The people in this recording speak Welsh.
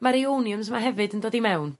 Mae'r aeoniums 'ma hefyd yn dod i mewn